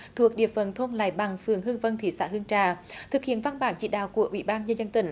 thuộc địa phận thôn lại bằng phường hương vân thị xã hương trà thực hiện văn bản chỉ đạo của ủy ban nhân dân tỉnh